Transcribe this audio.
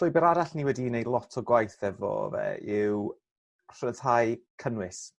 Llwybyr arall ni wedi neud lot o gwaith efo fe yw rhyddhau cynnwys